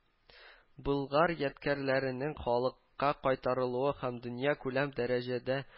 Болгар ядкәрләренең халыкка кайтарылуы һәм дөньякүләм дәрәҗәдә